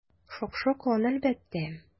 Шакшы кан, әлбәттә.